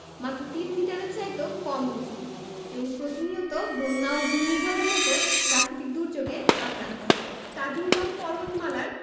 মাত্র তিন মিটারের চাইতেও কম উঁচু এবং প্রতিনিয়ত বন্যা ও ঘূর্ণিঝড়ের মতো প্রাকৃতিক দুর্যোগে আক্রান্ত হয় তাজিং ডং পর্বতমালার